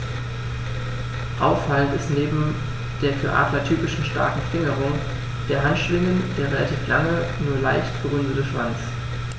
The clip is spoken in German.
Auffallend ist neben der für Adler typischen starken Fingerung der Handschwingen der relativ lange, nur leicht gerundete Schwanz.